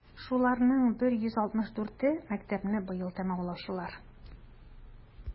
Шуларның 164е - мәктәпне быел тәмамлаучылар.